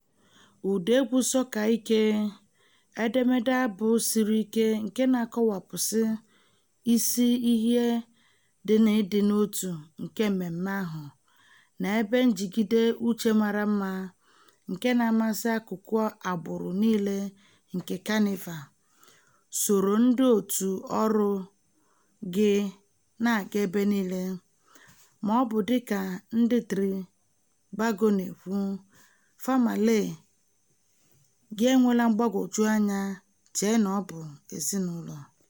ụda egwu "sọka ike", edemede abụ siri ike nke na-akọwapụsị isi ihe dị n'ịdị n'otu nke mmemme ahụ, na ebe njigide uche mara mma nke na-amasị akụkụ agbụrụ niile nke Kanịva — soro ndị òtù ọrụ gị na-aga ebe niile, ma ọ bụ dịka ndị Trinbago na-ekwu, "famalay" gị (enwela mgbagwoju anya chee na ọ bụ "ezinụlọ"):